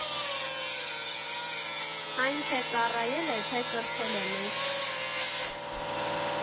Այն թե ծառայել է, թե կրթել է մեզ։